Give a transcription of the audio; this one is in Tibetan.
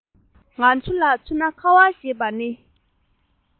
ང ཚོ ལ མཚོན ན ཁ བ ཞེས པ ནི